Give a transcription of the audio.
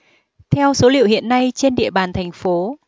theo số liệu hiện nay trên địa bàn thành phố